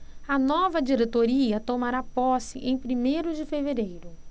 a nova diretoria tomará posse em primeiro de fevereiro